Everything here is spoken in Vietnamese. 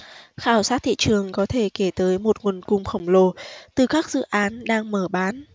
khảo sát thị trường có thể kể tới một nguồn cung khổng lồ từ các dự án đang mở bán